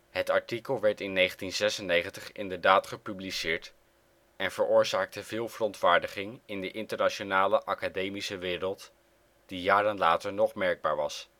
Het artikel werd in 1996 inderdaad gepubliceerd en veroorzaakte veel verontwaardiging in de internationale academische wereld, die jaren later nog merkbaar was